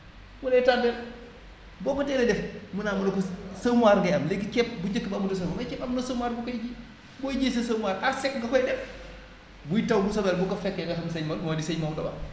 mu lay terdé boo ko teelee def mu ne ah ma ne ko semoir ngay am léegi ceeb bu njëkk ba amul semoir mais léegi ceeb am na semoir bu koy ji booy ji sa semoir à sec nga koy def buy taw bu sebet bu ko fekkee nga xam sëñ Mao mooy li sëñ Maodo wax